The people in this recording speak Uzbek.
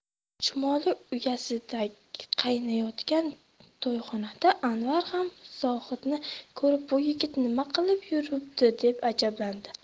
chumoli uyasidek qaynayotgan to'yxonada anvar ham zohidni ko'rib bu yigit nima qilib yuribdi deb ajablandi